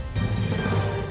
điểm